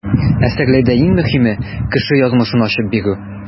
Әсәрләрдә иң мөһиме - кеше язмышын ачып бирү.